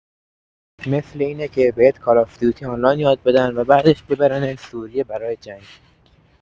مثل اینه که، بهت کالاف دیوتی آنلاین یاد بدن و بعدش ببرنت سوریه برای جنگ